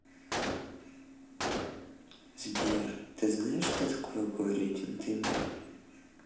сбер ты знаешь что такое горе дентомир